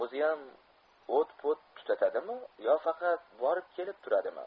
o'ziyam o't po't tutatadimi yo faqat borib kelib turadimi